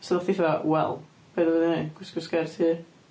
So oeddach di fatha... "wel be dwi fod i wneud gwisgo sgert hir"?